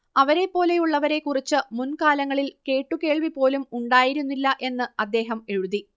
അവരെപ്പോലെയുള്ളവരെക്കുറിച്ച് മുൻകാലങ്ങളിൽ കേട്ടുകേൾവി പോലും ഉണ്ടായിരുന്നില്ല എന്ന്അദ്ദേഹം എഴുതി